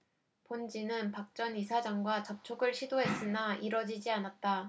본지는 박 전 이사장과 접촉을 시도했으나 이뤄지지 않았다